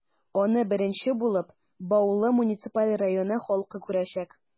Аны беренче булып, Баулы муниципаль районы халкы күрәчәк.